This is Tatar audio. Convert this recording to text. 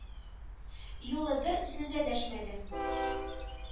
Юлы бер сүз дә дәшмәде